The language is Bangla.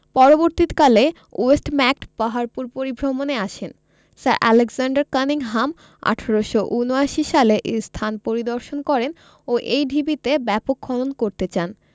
পরবর্তীকালে ওয়েস্টম্যাকট পাহাড়পুর পরিভ্রমণে আসেন স্যার আলেকজান্ডার কানিংহাম ১৮৭৯ সালে এ স্থান পরিদর্শন করেন ও এই ঢিবিতে ব্যাপক খনন করতে চান